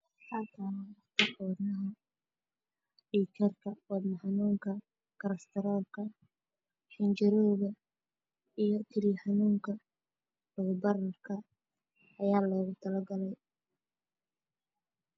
Waxa ay muuqda xayeesiin background iyo uu yahay waxaa lagu xayay siinayaa isbitaal lagu daaweeyo qanjirowga iiga